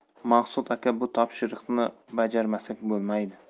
maqsud aka bu topshiriqni bajarmasak bo'lmaydi